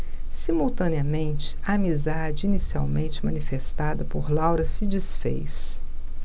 simultaneamente a amizade inicialmente manifestada por laura se disfez